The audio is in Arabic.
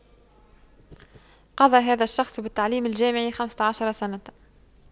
قضى هذا الشخص بالتعليم الجامعي خمسة عشرة سنة